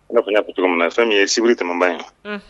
N'a fana ku min fɛn min ye sibiri kɛmɛba ye